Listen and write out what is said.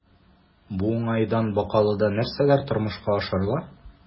Бу уңайдан Бакалыда нәрсәләр тормышка ашырыла?